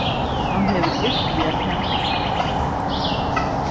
hann hevur ilt við at tapa seg